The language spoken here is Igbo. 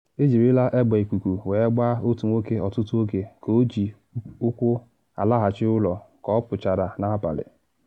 Ejirila egbe ikuku wee gbaa otu nwoke ọtụtụ oge ka o ji ụkwụ alaghachi ụlọ ka ọ pụchara n’abalị.